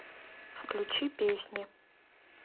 включи песни